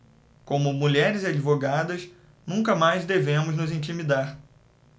como mulheres e advogadas nunca mais devemos nos intimidar